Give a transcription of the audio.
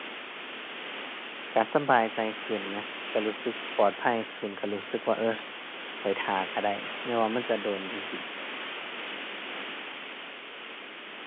ก็สำบายใจขึ้นนะ ก็รู้สึกปลอดภัยขึ้น ก็รู้สึกว่า เออ ข้อยท่าก็ได้ ญ้อนว่ามันจะโดนจั่งซี้